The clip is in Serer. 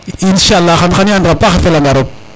inchaalah xa i an ra paax a fela nga roog